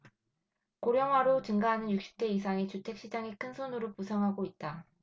고령화로 증가하는 육십 대 이상이 주택 시장의 큰손으로 부상하고 있다